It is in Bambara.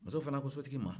muso fana ko sotigi ma